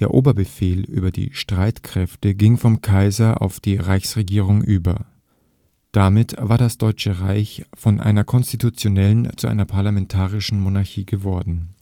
Oberbefehl über die Streitkräfte ging vom Kaiser auf die Reichsregierung über. Damit war das Deutsche Reich von einer konstitutionellen zu einer parlamentarischen Monarchie geworden